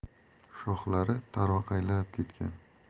shoxlari tarvaqaylab ketgan